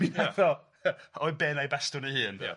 Mi nath o o'i ben a'i bastwn ei hun... Ia...